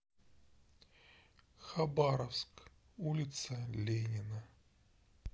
хабаровск улица ленина